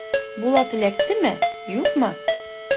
Булат эләктеме, юкмы?